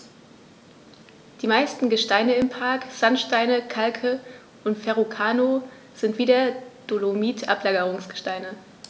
Die meisten Gesteine im Park – Sandsteine, Kalke und Verrucano – sind wie der Dolomit Ablagerungsgesteine.